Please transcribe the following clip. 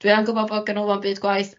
dwi yn gwbo bod ganolfan byd gwaith